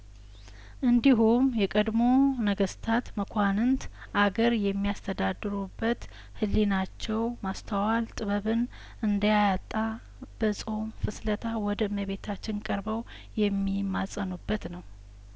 እንዲሁም የቀድሞ ነገስታት መኳንንት አገር የሚያስተዳድሩበት ህሊ ናቸው ማስተዋልን ጥበብን እንዳያጣ በጾመ ፍልሰታ ወደ እመቤታችን ቀርበው የሚማጸኑበት ነው